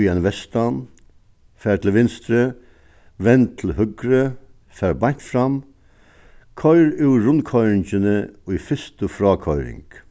í ein vestan far til vinstru vend til høgru far beint fram koyr úr rundkoyringini í fyrstu frákoyring